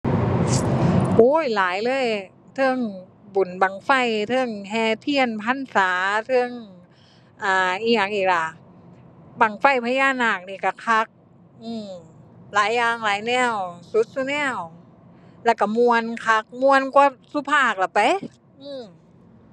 โอ๊ย หลายเลย ทั้งบุญบั้งไฟ ทั้งแห่เทียนพรรษา ทั้ง อ่า อิหยังอีกล่ะ บั้งไฟพญานาคนี่ก็คัก อื้ม หลายอย่างหลายแนว สุดซุแนว แล้วก็ม่วนคัก ม่วนกว่าซุภาคล่ะไป อื้ม